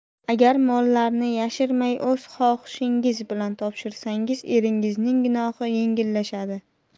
agar mollarni yashirmay o'z xohishingiz bilan topshirsangiz eringizning gunohi yengillashadi